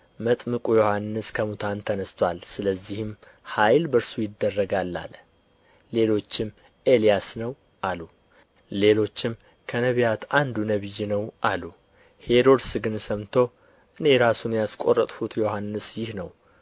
መጥምቁ ዮሐንስ ከሙታን ተነሥቶአል ስለዚህም ኃይል በእርሱ ይደረጋል አለ ሌሎችም ኤልያስ ነው አሉ ሌሎችም ከነቢያት እንደ አንዱ ነቢይ ነው አሉ ሄሮድስ ግን ሰምቶ እኔ ራሱን ያስቈረጥሁት ዮሐንስ ይህ ነው